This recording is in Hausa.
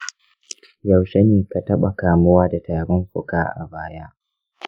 yaushe ne ka taɓa kamuwa da tarin fuka a baya?